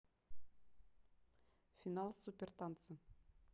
финал супер танцы